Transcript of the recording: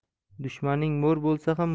dushmaning mo'r bo'lsa